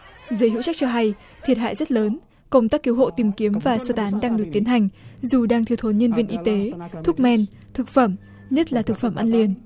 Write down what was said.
giới hữu trách cho hay thiệt hại rất lớn công tác cứu hộ tìm kiếm và sơ tán đang được tiến hành dù đang thiếu thốn nhân viên y tế thuốc men thực phẩm nhất là thực phẩm ăn liền